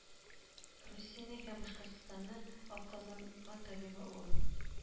Русиянең һәм Башкортстанның атказан ган табибы ул